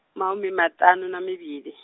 mahumimaṱanu na mivhili.